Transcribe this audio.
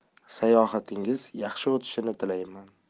sayohatingiz yaxshi otishini tilayman